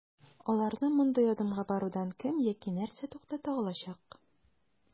Аларны мондый адымга барудан кем яки нәрсә туктата алачак?